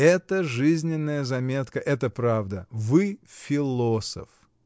это жизненная заметка — это правда! вы философ!